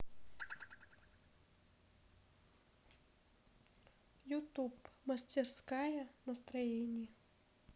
ютуб мастерская настроения